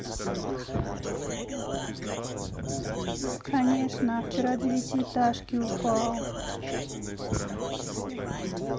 конечно а вчера девятиэтажки упал